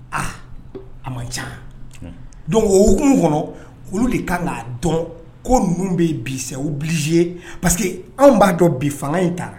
Aa a manc ca don okun kɔnɔ olu de kan k'a dɔn ko ninnu bɛ bi o bilisi ye pa que anw b'a dɔn bi fanga in ta